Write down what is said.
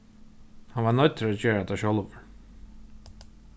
hann var noyddur at gera tað sjálvur